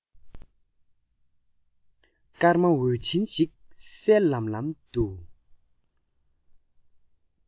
སྐར མ འོད ཆེན ཞིག གསལ ལམ ལམ ཏུ